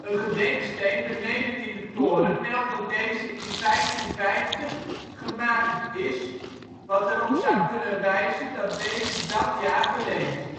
gedenksteen beneden in de toren meldt dat deze in 1550 ' ghemaket ' is, wat erop zou kunnen wijzen dat deze dat jaar verrees